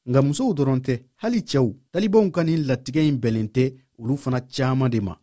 nka musow dɔrɔn tɛ hali cɛw talibanw ka nin latigɛ in bɛnnen tɛ olu fana caman de ma